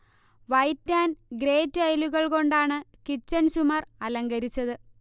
white and grey ടൈലുകൾ കൊണ്ടാണ് kitchen ചുമർ അലങ്കരിച്ചത്